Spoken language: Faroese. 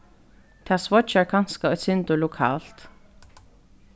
tað sveiggjar kanska eitt sindur lokalt